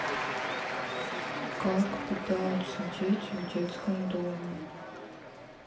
как питаются дети в детском доме